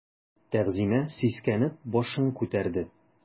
Тәгъзимә сискәнеп башын күтәрде.